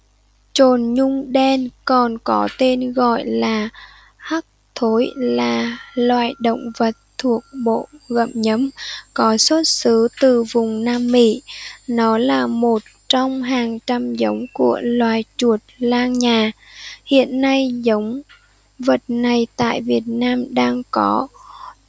chồn nhung đen còn có tên gọi là hắc thốn là loại động vật thuộc bộ gặm nhấm có xuất xứ từ vùng nam mỹ nó là một trong hàng trăm giống của loài chuột lang nhà hiện nay giống vật này tại việt nam đang có